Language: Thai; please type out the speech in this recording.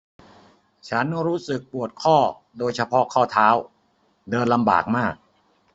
ฉันรู้สึกปวดข้อโดยเฉพาะข้อเท้าเดินลำบากมาก